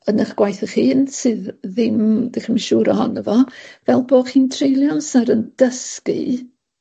yn 'ych gwaith 'ych hun sydd ddim, 'dach chi'm yn siŵr ohono fo fel bo' chi'n treulio amser yn dysgu